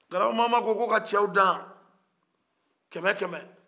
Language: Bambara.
grabamama ko ko ka cɛw dan kɛmɛkɛmɛ